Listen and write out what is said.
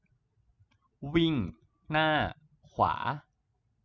วิ่งหน้าขวา